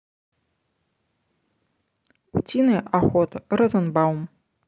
утиная охота розенбаум